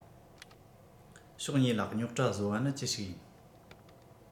ཕྱོགས གཉིས ལ རྙོག དྲ བཟོ བ ནི ཅི ཞིག ཡིན